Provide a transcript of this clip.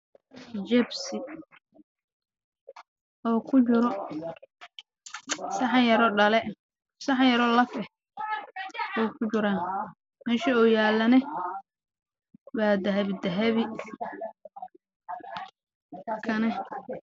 Wa jebsi kujiro saxa laf ah meesha uuyaalana wa dahabi dahabi